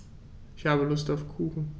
Ich habe Lust auf Kuchen.